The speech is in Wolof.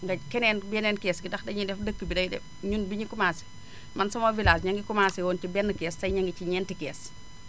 nga keneen yeneen kees gi ndax dañuy def dëkk bi day de ñun bi ñuy commencé man sama village ñu ngi commencé woon si benn kees tey ñu ngi ci ñeenti kees